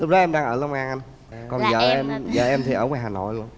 lúc đó em đang ở long an anh còn dợ em dợ em thì ở ngoài hà nội rồi